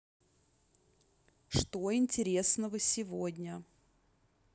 что интересного сегодня